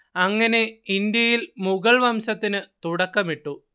അങ്ങനെ ഇന്ത്യയിൽ മുഗൾവംശത്തിനു തുടക്കമിട്ടു